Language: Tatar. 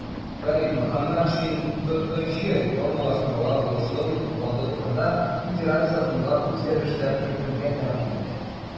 Фәрит Мөхәммәтшин "ТКҖ реформалаштыруга булышлык итү фонды турында" Федераль законга үзгәрешләр кертергә тәкъдим итә.